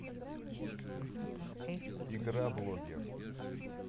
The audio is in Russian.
игра блогер